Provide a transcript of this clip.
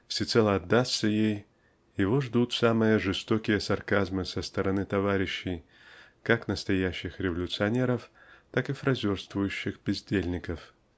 всецело отдастся ей -- его ждут самые жестокие сарказмы со стороны товарищей как настоящих революционеров так и фразерствующих бездельников.